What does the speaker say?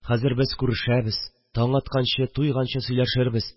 Хәзер без күрешәбез, таң атканчы, туйганчы сөйләшербез